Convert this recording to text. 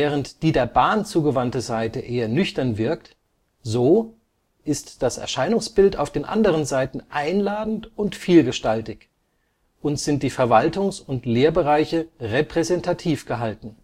Während die der Bahn zugewandte Seite eher nüchtern wirkt, so „ ist das Erscheinungsbild auf den anderen Seiten einladend und vielgestaltig “und sind die Verwaltungs - und Lehrbereiche „ repräsentativ “gehalten